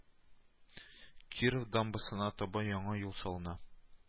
Киров дамбасына таба яңа юл салына